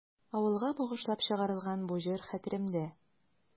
Авылга багышлап чыгарылган бу җыр хәтеремдә.